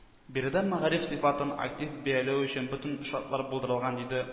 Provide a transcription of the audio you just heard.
Биредә мәгариф сыйфатын актив бияләү өчен бөтен шартлар булдырылган, - диде